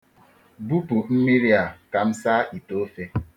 Bupụ mmiri a ka m saa ite ofe.